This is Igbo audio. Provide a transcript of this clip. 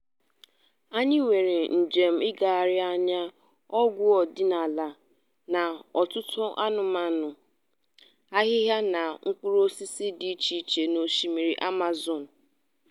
Anyị nwere njem nlegharịanya, ọgwụ ọdịnala, na ọtụtụ anụmanụ, ahịhịa na mkpụrụ osisi dị icheiche n'osimiri Amazon.